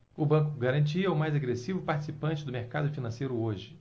o banco garantia é o mais agressivo participante do mercado financeiro hoje